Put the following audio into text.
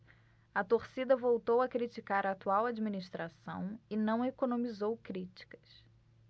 a torcida voltou a criticar a atual administração e não economizou críticas